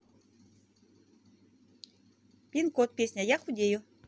пин код песня я худею